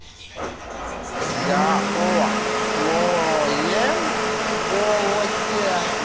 я о своем голосе